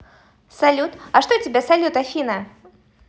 салют а что тебя салют афина